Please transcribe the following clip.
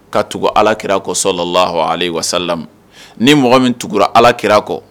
Ka tugu ala kira kɔsɔ la lahɔn ala wasala ni mɔgɔ min tugura alaki kira a kɔ